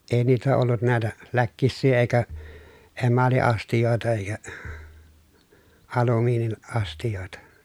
ei niitä ollut näitä läkkisiä eikä emaliastioitakin ja - alumiiniastioita